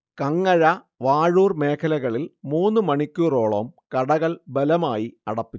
കങ്ങഴ, വാഴൂർ മേഖലകളിൽ മൂന്നു മണിക്കൂറോളം കടകൾ ബലമായി അടപ്പിച്ചു